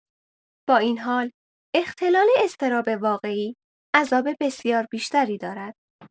با این حال، اختلال اضطراب واقعی، عذاب بسیار بیشتری دارد.